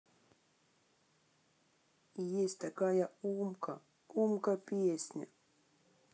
есть такая умка умка песня